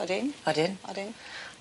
Odyn. Odyn. Odyn.